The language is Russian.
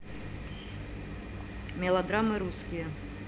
мелодрамы русские